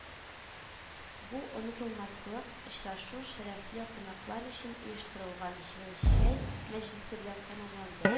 Бу онытылмаслык очрашу шәрәфле кунаклар өчен оештырылган җылы чәй мәҗлесе белән тәмамланды